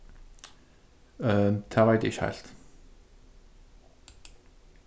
øh tað veit eg ikki heilt